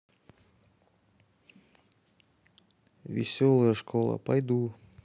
веселая школа пойду